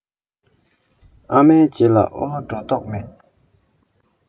ཨ མའི རྗེས ལ ཨོ ལོ འགྲོ མདོག མེད